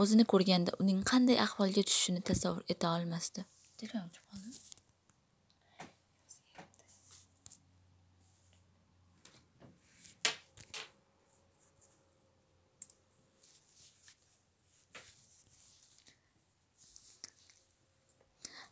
o'zini ko'rganda uning qanday ahvolga tushishini tasavvur eta olmas edi